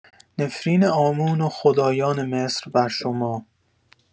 نفرین عامون و خدایان مصر بر شما